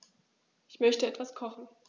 Ich möchte etwas kochen.